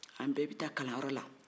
an bɛɛ bɛ taa kalanyɔrɔ